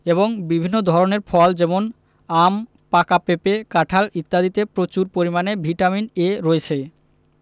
এবং বিভিন্ন ধরনের ফল যেমন আম পাকা পেঁপে কাঁঠাল ইত্যাদিতে প্রচুর পরিমানে ভিটামিন এ রয়েছে